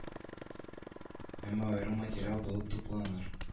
Әмма аерым материал булып тупланыр